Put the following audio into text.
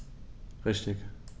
Richtig